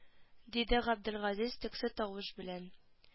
Диде габделгазиз төксе тавыш белән